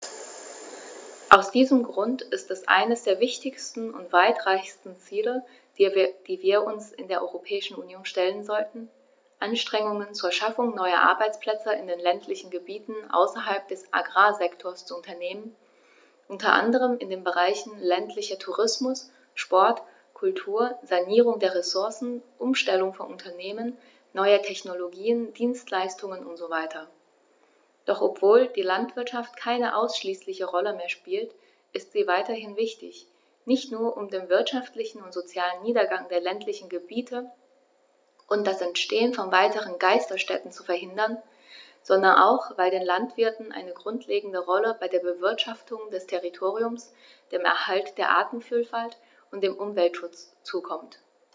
Aus diesem Grund ist es eines der wichtigsten und weitreichendsten Ziele, die wir uns in der Europäischen Union stellen sollten, Anstrengungen zur Schaffung neuer Arbeitsplätze in den ländlichen Gebieten außerhalb des Agrarsektors zu unternehmen, unter anderem in den Bereichen ländlicher Tourismus, Sport, Kultur, Sanierung der Ressourcen, Umstellung von Unternehmen, neue Technologien, Dienstleistungen usw. Doch obwohl die Landwirtschaft keine ausschließliche Rolle mehr spielt, ist sie weiterhin wichtig, nicht nur, um den wirtschaftlichen und sozialen Niedergang der ländlichen Gebiete und das Entstehen von weiteren Geisterstädten zu verhindern, sondern auch, weil den Landwirten eine grundlegende Rolle bei der Bewirtschaftung des Territoriums, dem Erhalt der Artenvielfalt und dem Umweltschutz zukommt.